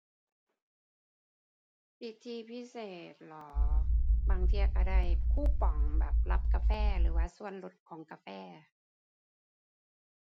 สิทธิพิเศษเหรอ บางเที่ยก็ได้คูปองแบบรับกาแฟหรือส่วนลดของกาแฟ